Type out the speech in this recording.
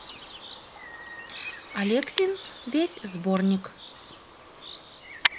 алексин весь сборник